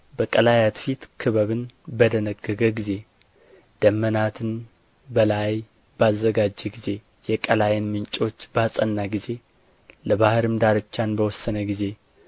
በቀላያት ፊት ክበብን በደነገገ ጊዜ ደመናትን በላይ ባዘጋጀ ጊዜ የቀላይን ምንጮች ባጸና ጊዜ ለባሕርም ዳርቻን በወሰነ ጊዜ